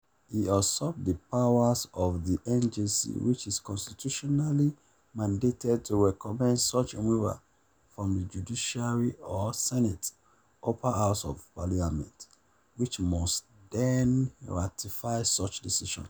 He usurped the powers of the NJC which is constitutionally mandated to recommend such removals from the judiciary or Senate (upper house of parliament) which must then ratify such decisions.